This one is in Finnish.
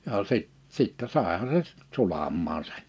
ja - sitten saihan se sulamaan sen